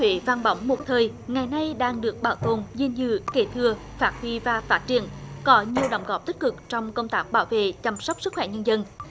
huế vang bóng một thời ngày nay đang được bảo tồn gìn giữ kế thừa phát huy và phát triển có nhiều đóng góp tích cực trong công tác bảo vệ chăm sóc sức khỏe nhân dân